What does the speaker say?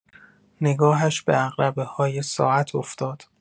نگاهش به عقربه‌های ساعت افتاد.